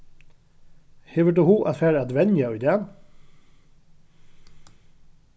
hevur tú hug at fara at venja í dag